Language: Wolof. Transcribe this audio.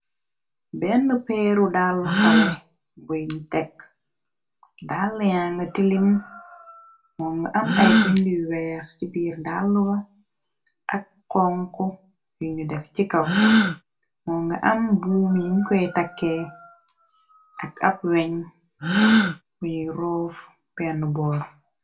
Benn peeru dallu xale buy tekk dall yang tilim moo nga am ay bindiy weex ci biir dallu ba ak xonk yuñu def ci kaw moo nga am buum yiñ koy takkee ak ab weñ buñuy roof benn boor.